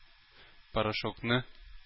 Порошокны